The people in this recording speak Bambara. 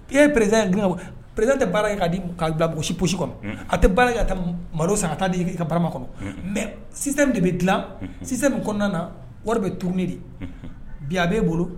K'i ye president in gwɛn ka bɔ yen, president tɛ baara kɛ k'a bila mɔgɔ si poche kɔnɔ a tɛ baara kɛ ka malo san ka t'a k'i ka barama kɔnɔ mais sisan de a bɛ système de dilan sisan min kɔnɔna na, wari bɛ touner, tourner de bi a b'e bolo